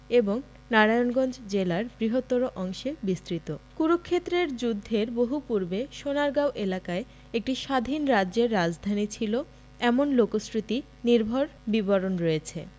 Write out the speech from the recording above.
এবং নারায়ণগঞ্জ জেলার বৃহত্তর অংশে বিস্তৃত কুরুক্ষেত্রের যুদ্ধের বহু পূর্বে সোনারগাঁও এলাকায় একটি স্বাধীন রাজ্যের রাজধানী ছিল এমন লোকশ্রুতি নির্ভর বিবরণ রয়েছে